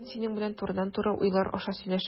Мин синең белән турыдан-туры уйлар аша сөйләшәм.